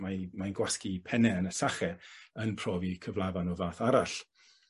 mae'n mae'n gwasgu penne yn y sache yn profi cyflafan o fath arall.